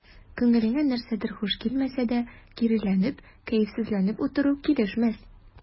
Күңелеңә нәрсәдер хуш килмәсә дә, киреләнеп, кәефсезләнеп утыру килешмәс.